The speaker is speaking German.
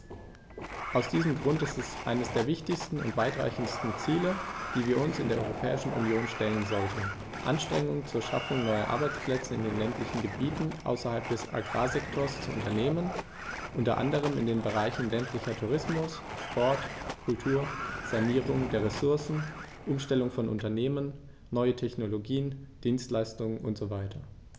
Aus diesem Grund ist es eines der wichtigsten und weitreichendsten Ziele, die wir uns in der Europäischen Union stellen sollten, Anstrengungen zur Schaffung neuer Arbeitsplätze in den ländlichen Gebieten außerhalb des Agrarsektors zu unternehmen, unter anderem in den Bereichen ländlicher Tourismus, Sport, Kultur, Sanierung der Ressourcen, Umstellung von Unternehmen, neue Technologien, Dienstleistungen usw.